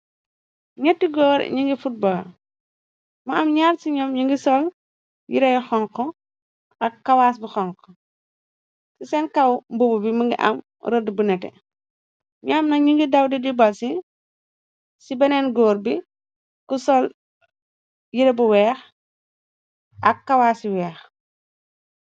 Ñetti góor ñu ngi footbal, Mu Am ñaar ci ñoom ñu ngi sol yiré yu honku ak kawaas bu honku. Ci senn kaw mbubu bi mungi am rëdd bu nete. Num nak nungi daw di jubal ci, ci beneen góor bi ku sol yire bu weeh ak kawaas yu weeh.